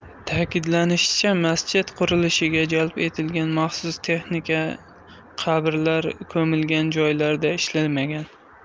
ta'kidlanishicha masjid qurilishiga jalb etilgan maxsus texnika qabrlar ko'milgan joylarda ishlamagan